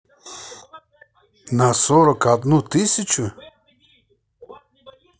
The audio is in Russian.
на сорок одну тысячу